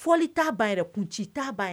Fɔli t'a baa yɛrɛ kun ci t'a baa ye